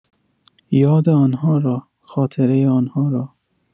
یاد آن‌ها را، خاطره آن‌ها را